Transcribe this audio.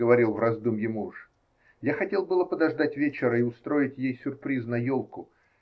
-- заговорил в раздумье муж: -- Я хотел было подождать вечера и устроить ей сюрприз на елку.